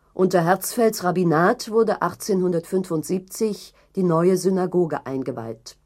Unter Herzfelds Rabbinat wurde 1875 die „ Neue Synagoge “eingeweiht